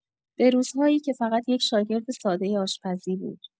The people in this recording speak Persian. به روزهایی که فقط یک شاگرد سادۀ آشپزی بود.